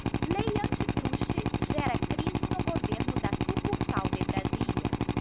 lei antitruste gera crise no governo da sucursal de brasília